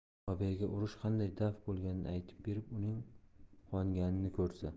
robiyaga urush qanday daf bo'lganini aytib berib uning quvonganini ko'rsa